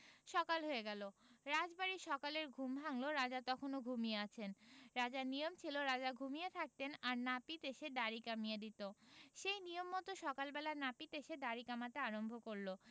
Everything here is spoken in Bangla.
সকাল হয়ে গেল রাজবাড়ির সকলের ঘুম ভাঙল রাজা তখনও ঘুমিয়ে আছেন রাজার নিয়ম ছিল রাজা ঘুমিয়ে থাকতেন আর নাপিত এসে দাঁড়ি কমিয়ে দিত সেই নিয়ম মত সকাল বেলা নাপিত এসে দাড়ি কামাতে আরম্ভ করলে